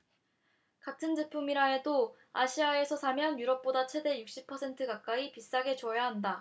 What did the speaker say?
같은 제품이라 해도 아시아에서 사면 유럽보다 최대 육십 퍼센트 가까이 비싸게 줘야 한다